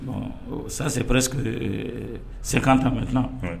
Bɔn san senpɛ sekan taran